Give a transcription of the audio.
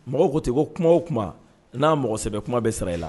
Mɔgɔ ko tɛ ko kuma o kuma n'a mɔgɔsɛbɛbɛ kuma bɛ sara i la